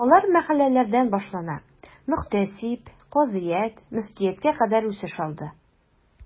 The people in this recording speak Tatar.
Алар мәхәлләләрдән башлана, мөхтәсиб, казыят, мөфтияткә кадәр үсеш алды.